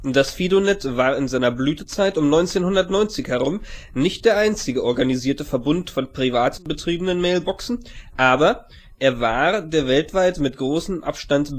Das FidoNet war in seiner Blütezeit um 1990 herum nicht der einzige organisierte Verbund von privat betriebenen Mailboxen, aber er war der weltweit mit großem Abstand